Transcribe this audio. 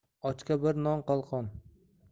ochga bir non qalqon